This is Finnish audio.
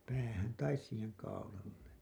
päähän tai siihen kaulalle